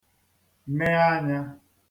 ne anyā